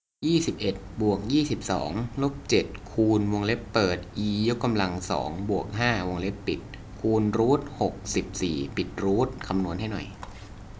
ยี่สิบเอ็ดบวกยี่สิบสองลบเจ็ดคูณวงเล็บเปิดอียกกำลังสองบวกห้าวงเล็บปิดคูณรูทหกสิบสี่ปิดรูทคำนวณให้หน่อย